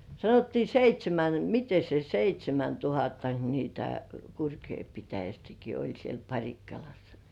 sanottiin seitsemän miten se seitsemäntuhattako niitä Kurkijoen pitäjästäkin oli siellä Parikkalassa